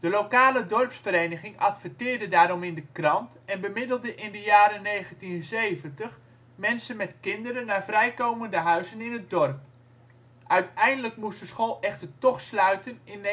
lokale dorpsvereniging adverteerde daarom in de krant en bemiddelde in de jaren 1970 mensen met kinderen naar vrijkomende huizen in het dorp. Uiteindelijk moest de school echter toch sluiten in